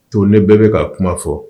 Tɔnden bɛɛ bɛka a kuma fɔ